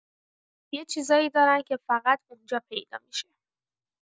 یه چیزایی دارن که فقط اونجا پیدا می‌شه.